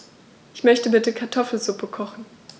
Ich möchte bitte Kartoffelsuppe kochen.